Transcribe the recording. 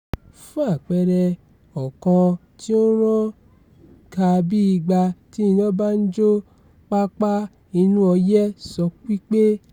Fún àpẹẹrẹ, ọ̀kan tí ó ràn ká bí ìgbà tí iná bá ń jó pápá inú ọyẹ́ sọ wípé: